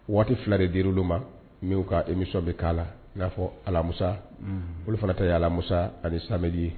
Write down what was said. Waati 2 de di dira olu ma n'u ka émission bɛ k'a la i n'a fɔ alamusa olu fana ta ye alamusa ani samedi ye.